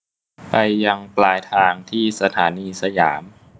ไปยังปลายทางที่สถานีสยาม